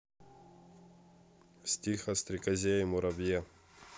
стих о стрекозе и муравье